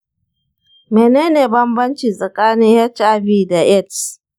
mene ne bambanci tsakanin hiv da aids?